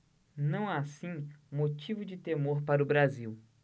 não há assim motivo de temor para o brasil